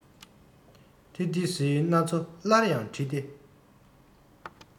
ཐེ རྡི སིའི གནའ མཚོ སླར ཡང བྲི སྟེ